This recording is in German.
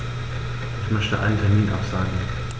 Ich möchte einen Termin absagen.